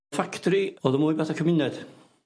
Ffactri o'dd yn mwy fath â cymuned.